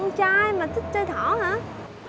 trai mà thích chơi thỏ hả